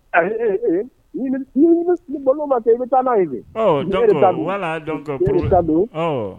Ma i bɛ taa n' yen